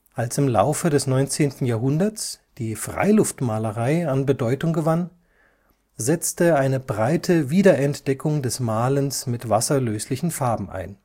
Als im Laufe des 19. Jahrhunderts die Freiluftmalerei an Bedeutung gewann, setzte eine breite Wiederentdeckung des Malens mit wasserlöslichen Farben ein